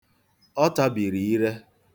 Ọ tabiri ire.